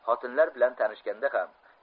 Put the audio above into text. xotinlar bilan tanishganda ham